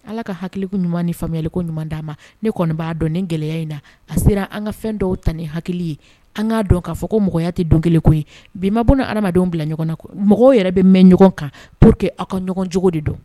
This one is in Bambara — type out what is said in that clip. Ala ka hakiliko ɲuman ni faamuyaliko ɲuman d'an ma, ne kɔni b'a dɔn nin gɛlɛya in na a sera an ka fɛn dɔw ta ni hakili ye, an k'a dɔn k'a fɔ ko mɔgɔya tɛ don kelenko ye bi ma buna hadamadenw bila ɲɔgɔn kan mɔgɔw yɛrɛ bɛ mɛn ɲɔgɔn kan pour que aw ka ɲɔgɔn jogo de dɔn